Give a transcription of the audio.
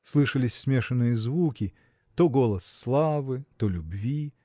слышались смешанные звуки – то голос славы, то любви